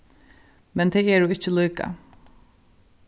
men tey eru ikki líka